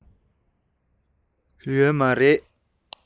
ཡོད མ རེད